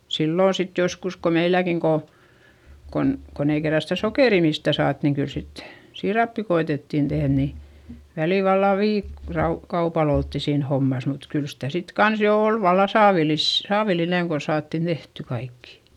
silloin sitten joskus kun meilläkin kun kun kun ei kerran sitä sokeria mistään saatu niin kyllä sitten siirappia koetettiin tehdä niin välillä vallan -- viikkokaupalla oltiin siinä hommassa mutta kyllä sitä sitten kanssa jo oli vallan - saavillinen kun saatiin tehtyä kaikki